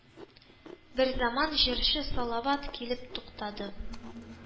Берзаман җырчы Салават килеп туктады.